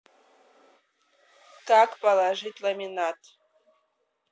как положить ламинат